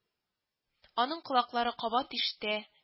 Аның колаклары кабат ишетә